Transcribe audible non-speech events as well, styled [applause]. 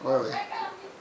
oui oui [crosstalk]